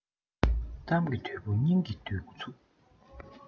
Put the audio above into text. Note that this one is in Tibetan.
གཏམ གྱི བདུད པོ སྙིང གི དོང དུ ཚུད